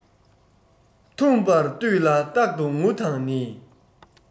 ཐུམ པར བཏུས ལ རྟག ཏུ ངུ དང ནི